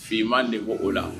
Fima de bɔ o la